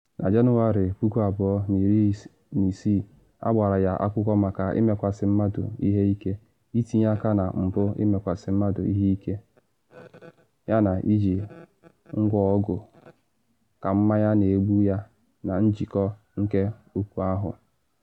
Na Jenụwarị 2016 agbara ya akwụkwọ maka ịmekwasị mmadụ ihe ike, itinye aka na mpụ ịmekwasị mmadụ ihe ihe, yana iji ngwaọgụ ka mmanya na egbu ya na njikọ nke okwu ahụ.